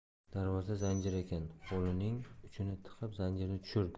darvoza zanjir ekan qo'lining uchini tiqib zanjirni tushirdi